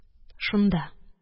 Шунда